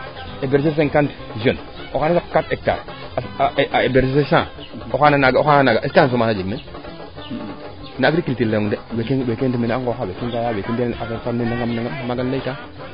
herberger cinquante jeune o xaana saq qatre :far hectare a herberger :far cent oxaana naaga o xaana naaga est ce que chomage xana jeg meen na agriculture leyong de weeke ndef meeke a ngooxa weeke ngaya affaire pambe nangam nangam maaga im ley taa